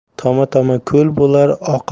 toma toma ko'l bo'lar